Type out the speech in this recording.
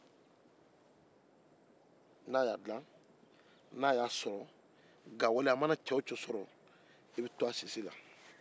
n'a y'a dila k'a sɔn a mana cɛ o cɛ sɔrɔ i bɛ to a sisi la